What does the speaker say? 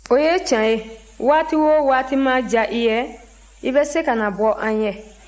o ye tiɲɛ ye waati o waati mana diya i ye i bɛ se ka na bɔ an ye